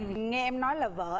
nghe em nói là vợ